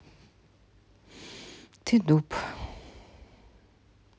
ты дуб